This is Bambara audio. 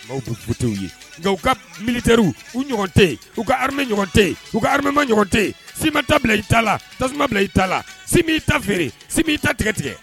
Maaw te wote o ye, nka u ka militaires u ɲɔgɔn tɛ yen, u ka armée ɲɔgɔn tɛ yen u ka armement ɲɔgɔn tɛ yen, si ma ta bila i ta la, tasuma bila i ta la, si m'i ta fere, si m'i ta tigɛtigɛ.